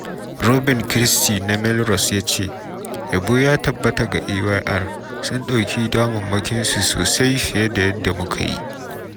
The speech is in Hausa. Robyn Christie na Melrose ya ce: “Yabo ya tabbata ga Ayr, sun ɗauki damammakinsu sosai fiye da yadda muka yi.”